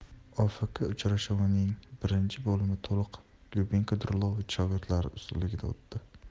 ofkuchrashuvning birinchi bo'limi to'liq lyubinko drulovich shogirdlari ustunligida o'tdi